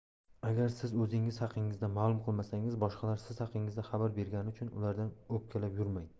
agar siz o'zingiz haqingizda ma'lum qilmasangiz boshqalar siz haqingizda xabar bergani uchun ulardan o'pkalab yurmang